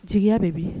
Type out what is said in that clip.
Jigiya bɛ bi